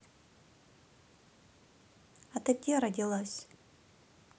а ты где родилась